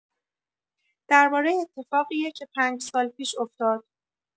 درباره اتفاقیه که پنج سال پیش‌افتاد.